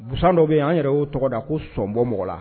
Busan dɔ bɛ yen, an yɛrɛ y'o tɔgɔ da ko sɔn bɔ mɔgɔ la.